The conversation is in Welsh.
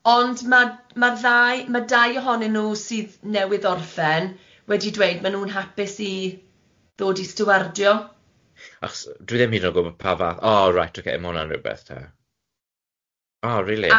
Na, ond ma- mae'r ddau- ma' dau ohonyn nhw sydd newydd orffen wedi dweud ma' nhw'n hapus i ddod i sdiwardio. Achs- dwi ddim hyd yn oed yn gwbod pa fath- Oh right ok ma' hwnne'n rhywbeth te. Oh rili?